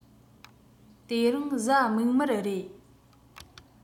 དེ རིང གཟའ མིག དམར རེད